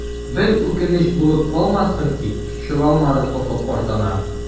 Бер үкенеч булып калмассың тик, чыгалмадым офык артына.